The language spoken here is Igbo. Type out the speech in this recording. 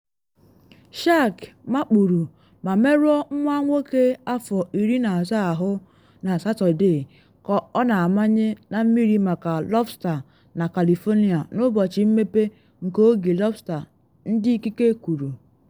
Shark makpuru ma merụọ nwa nwoke afọ 13 ahụ na Satọde ka ọ na amanye na mmiri maka lọbsta na California n’ụbọchị mmepe nke oge lọbsta, ndị ikike kwuru.